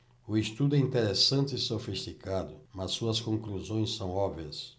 o estudo é interessante e sofisticado mas suas conclusões são óbvias